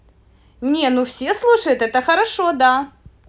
не ну все слушают это хорошо да